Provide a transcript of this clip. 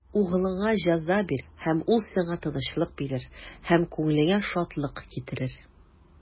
Углыңа җәза бир, һәм ул сиңа тынычлык бирер, һәм күңелеңә шатлык китерер.